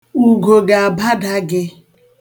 Ugo ga-abada gị.